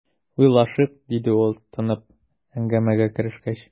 "уйлашыйк", - диде ул, тынып, әңгәмәгә керешкәч.